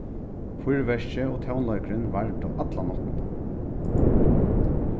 fýrverkið og tónleikurin vardu alla náttina